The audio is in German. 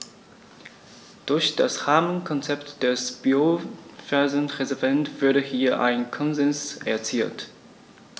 Durch das Rahmenkonzept des Biosphärenreservates wurde hier ein Konsens erzielt.